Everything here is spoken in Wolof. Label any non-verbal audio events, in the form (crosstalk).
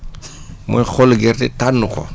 (laughs) mooy xolli gerte tànn ko